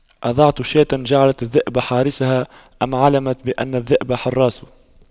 أضعت شاة جعلت الذئب حارسها أما علمت بأن الذئب حراس